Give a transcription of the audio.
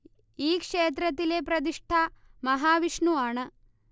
ഈ ക്ഷേത്രത്തിലെ പ്രതിഷ്ഠ മഹാവിഷ്ണുവാണ്